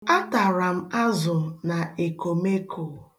Atara m azụ na ekomeko.